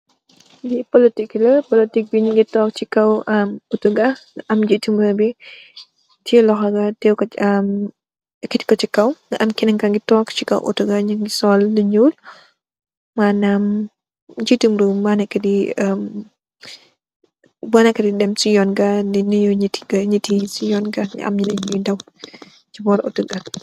Li polutic la, polutic bi nyu gi togg si kaw motor ga, amm jeeti rewmi teey lokho ba, ekitiko si kaw, ga amm kenen ka gi togg si kaw Auto ga, nyu gi sol lu niol, manam jeetu rewmi mu neeka di dem si nyoon ga, di nunyu nitti si nyoon ga, amm nitt nyu daw si mbori auto ba.